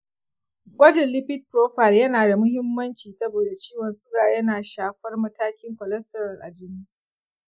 gwajin lipid profile yana da muhimmanci saboda ciwon suga yana shafar matakin cholesterol a jini.